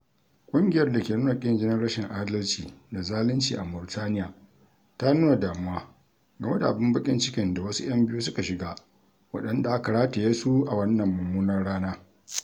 ƙungiyar da ke nuna ƙin jinin rashin adalci da zalunci a Mauritaniya ta nuna damuwa game da abin baƙin cikin da wasu 'yan biyu suka shiga waɗanda aka rataye su a wannan mummunar ranar: